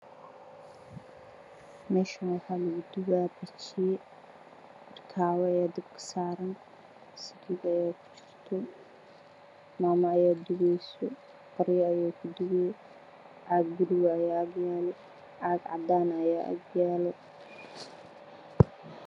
Meeshaan waxaa lugu dubaa bajiye birtaawo ayaa dabka saaran saliid ayaa kujirto maamo ayaa qoryo kudubayso. Caag buluug ah iyo caag cadaan ah ayaa agyaalo.